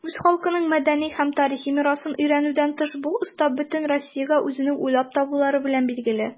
Үз халкының мәдәни һәм тарихи мирасын өйрәнүдән тыш, бу оста бөтен Россиягә үзенең уйлап табулары белән билгеле.